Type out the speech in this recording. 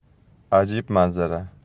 ajib manzara